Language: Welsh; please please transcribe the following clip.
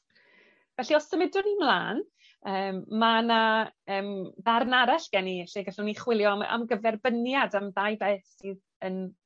Felly os symudwn ni mlan yym ma' 'na yym ddarn arall gen i lle gallwn ni chwilio am am gyferbyniad am ddau beth sydd yn